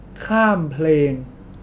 ข้ามเพลง